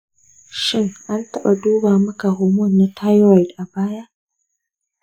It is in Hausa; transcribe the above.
shin an taɓa duba maka hormone na thyroid a baya?